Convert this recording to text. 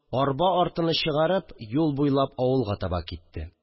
Арба артыны чыгарып, юл буйлап авылга таба китте